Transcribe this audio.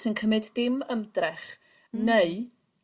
sy'n cymyd dim ymdrech neu